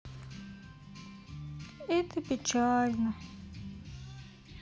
это печально